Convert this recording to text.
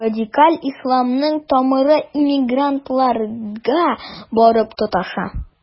Радикаль исламның тамыры иммигрантларга барып тоташа.